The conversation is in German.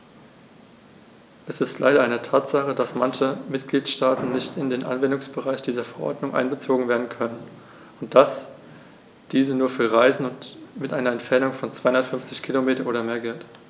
Es ist leider eine Tatsache, dass manche Mitgliedstaaten nicht in den Anwendungsbereich dieser Verordnung einbezogen werden können und dass diese nur für Reisen mit einer Entfernung von 250 km oder mehr gilt.